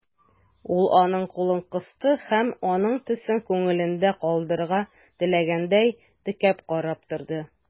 Ул аның кулын кысты һәм, аның төсен күңелендә калдырырга теләгәндәй, текәп карап торды.